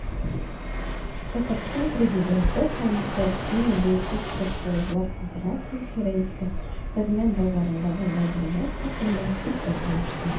Татарстан Президенты һәм Россия Бәйсез профсоюзлар федерациясе рәисе хезмәт базарындагы вәзгыять хакында фикер алышты.